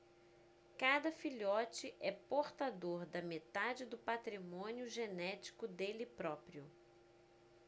cada filhote é portador da metade do patrimônio genético dele próprio